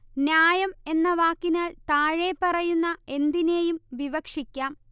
ന്യായം എന്ന വാക്കിനാൽ താഴെപ്പറയുന്ന എന്തിനേയും വിവക്ഷിക്കാം